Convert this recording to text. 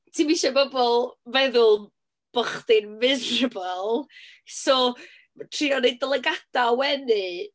Ti'm isio bobl feddwl bo' chdi'n miserable, so trio wneud dy lygadau wenu...